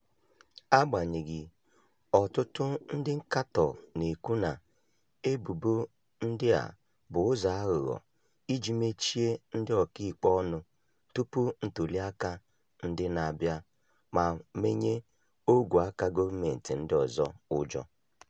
Agbanyeghị, ọtụtụ ndị nkatọ na-ekwu na ebubo ndị a bụ ụzọ aghụghọ iji mechie ndị ọka ikpe ọnụ tupu ntụliaka ndị na-abịa ma menye ogwe aka gọọmentị ndị ọzọ ụjọ.